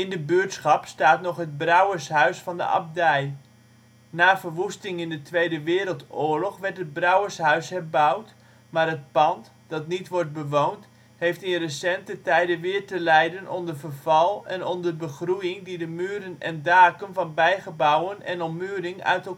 de buurtschap staat nog het brouwershuis van de abdij. Na verwoesting in de Tweede Wereldoorlog werd het brouwershuis herbouwd, maar het pand, dat niet wordt bewoond, heeft in recente tijden weer te lijden onder verval en onder begroeiing die de muren en daken van bijgebouwen en ommuring uit